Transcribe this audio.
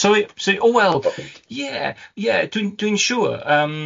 Sori, si-? O wel, ie, ie, dwi'n dwi'n siŵr. Yym.